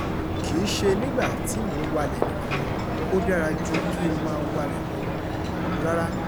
Kì í ṣe nígbà tí mò ń walẹ̀ nìkan, ó dára jù kí n máa walẹ̀ lọ, rárá.